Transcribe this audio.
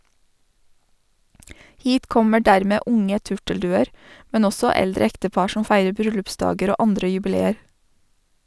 Hit kommer dermed unge turtelduer, men også eldre ektepar som feirer bryllupsdager og andre jubileer.